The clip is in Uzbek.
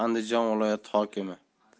andijon viloyat hokimi